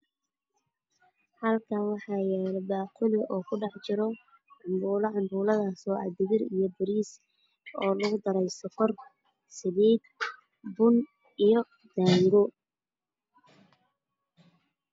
Halkaan waxaa yaalo baaquli waxaa kudhex jiro cambuulo oo ah digir iyo bariis oo lugu daray sonkor, bun, daango iyo saliid.